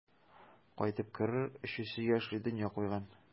Кайтып керер өчесе яшьли дөнья куйган.